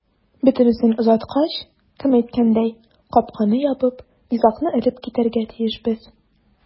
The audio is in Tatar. Бөтенесен озаткач, кем әйткәндәй, капканы ябып, йозакны элеп китәргә тиешбез.